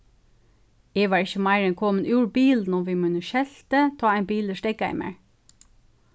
eg var ikki meir enn komin úr bilinum við mínum skelti tá ein bilur steðgaði mær